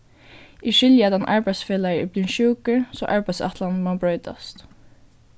eg skilji at ein arbeiðsfelagi er blivin sjúkur so arbeiðsætlanin má broytast